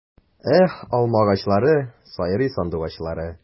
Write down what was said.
Эх, алмагачлары, сайрый сандугачлары!